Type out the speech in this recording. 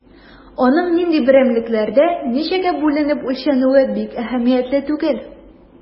Аның нинди берәмлекләрдә, ничәгә бүленеп үлчәнүе бик әһәмиятле түгел.